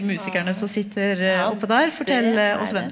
ja ja det er det.